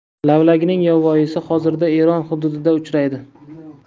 lavlagining yovvoyisi hozirda eron hududida uchraydi